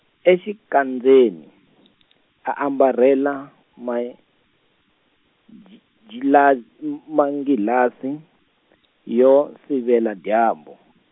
exikandzeni, a ambarile ma- ji- jilaz- manghilazi, yo sivela, dyambu.